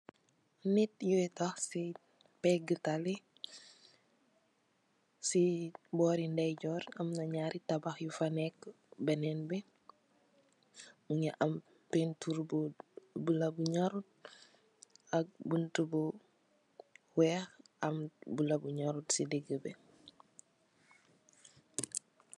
Nit yu tóóg ci pegga tali, ci borri ndayjoor am na ñaari tabax yu fa nèkka benen bi mugii am pentir bu bula bu ñorut ak buntu bu wèèx am bula bu ñorut ci digibi.